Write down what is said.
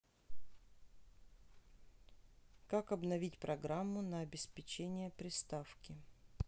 как обновить программу на обеспечение приставки